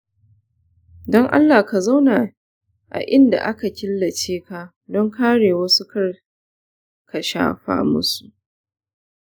don allah ka zauna a inda aka killace ka don a kare wasu karka shafa masu.